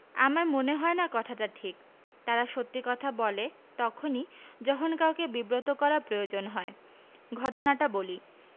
আমার মনে হয় না কথাটা ঠিক তারা সত্যি কথা বলে তখনি যখন কাউকে বিব্রত করার প্রয়ােজন হয় ঘটনাটা বলি